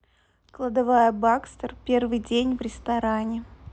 кладовая baxter первый день в ресторане